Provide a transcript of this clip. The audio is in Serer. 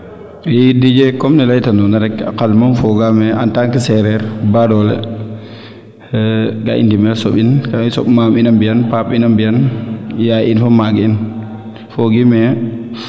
i Didier comme :ne leyta noona rek a qal moom fogaame en tant que sereer baadole ga i ndemel rek soɓin kaa i soɓ maam ina mbiyan paap ina mbiyan yaay in fo maag in fogiime